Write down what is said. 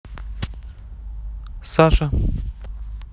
саша